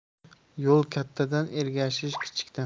yo'l kattadan ergashish kichikdan